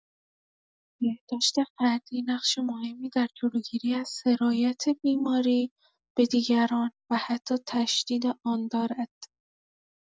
بهداشت فردی نقش مهمی در جلوگیری از سرایت بیماری به دیگران و حتی تشدید آن دارد.